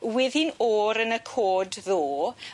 Wedd hi'n o'r yn y côd ddo?